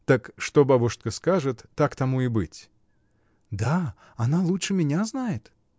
— Так что бабушка скажет, так тому и быть? — Да, она лучше меня знает.